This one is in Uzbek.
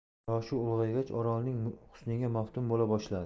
yoshi ulg'aygach orolning husniga maftun bo'la boshladi